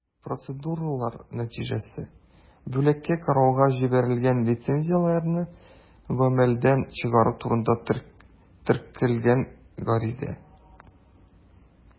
Процедуралар нәтиҗәсе: бүлеккә карауга җибәрелгән лицензияләрне гамәлдән чыгару турында теркәлгән гариза.